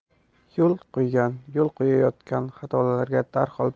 yo'l qo'ygan yo'l qo'yayotgan xatolarga darhol